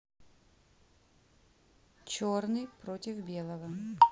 черный против белого